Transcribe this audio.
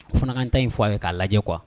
Fanakan ta in fɔ'a ye k'a lajɛ kuwa